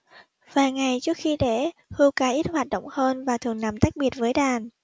vài ngày trước khi đẻ hươu cái ít hoạt động hơn và thường nằm tách biệt với đàn